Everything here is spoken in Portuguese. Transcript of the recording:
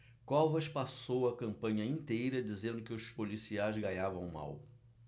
covas passou a campanha inteira dizendo que os policiais ganhavam mal